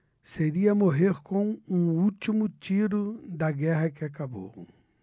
seria morrer com o último tiro da guerra que acabou